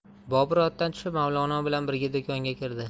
bobur otdan tushib mavlono bilan birga do'konga kirdi